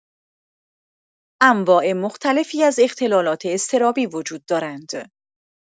انواع مختلفی از اختلالات اضطرابی وجود دارند.